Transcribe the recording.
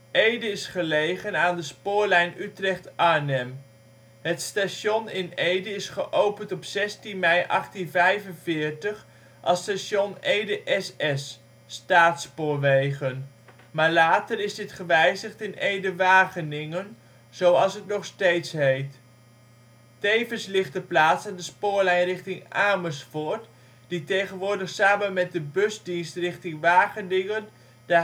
Ede is gelegen aan de spoorlijn Utrecht – Arnhem. Het station in Ede is geopend op 16 mei 1845 als station Ede SS (Staats Spoorwegen), maar later is dit gewijzigd in Ede-Wageningen, zoals het nog steeds heet. Tevens ligt de plaats aan de spoorlijn richting Amersfoort die tegenwoordig samen met de busdienst richting Wageningen de